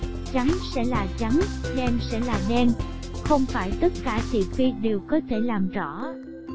trắng sẽ là trắng đen sẽ là đen không phải tất cả thị phi đều có thể làm rõ